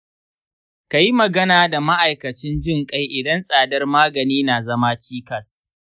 ka yi magana da ma’aikacin jin-ƙai idan tsadar magani na zama cikas.